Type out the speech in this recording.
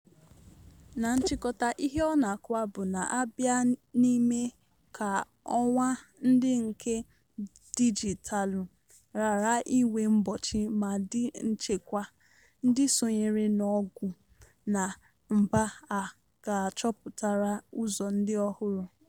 Na nchịkọta, ihe ọ na-akọwa bụ na a bịa n'ime ka ọwa ndị nke dijitalụ ghara inwe mgbochi ma dị nchekwa, ndị sonyere n'ọgụ na mgba a ga-achọpụtara ụzọ ndị ọhụrụ.